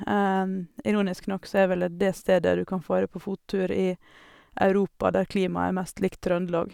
Ironisk nok så er vel det stedet du kan fare på fottur i Europa, der klimaet er mest likt Trøndelag.